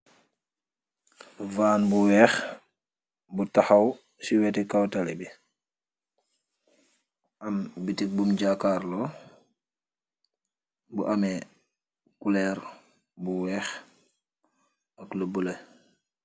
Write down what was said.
Vann bu weex bu taxaw ci weti kawtale bi am bitik bum jaakaarlo bu ame kuleer bu weex ak lu bulo.